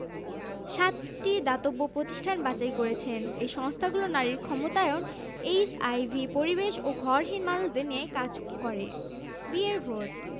আনন্দ আয়োজন জনপ্রিয় band Spice Girls শিল্পী Elton John Ed Sheeran Sam Smith Prince Harry ও মেগান মার্কেলের বিবাহোত্তর সংবর্ধনায় গান পরিবেশন করতে পারেন